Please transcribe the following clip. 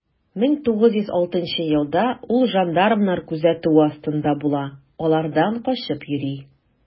1906 елда ул жандармнар күзәтүе астында була, алардан качып йөри.